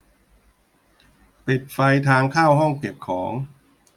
ปิดไฟทางเข้าห้องเก็บของ